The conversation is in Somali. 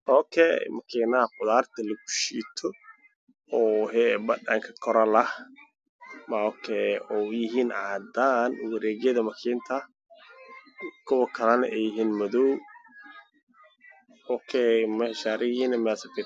Waa qalabka lagu shiito khudaarta midabkiisu waa madow midka kalena waa caddaan kuwa wax shidana waa caddaan iyo madow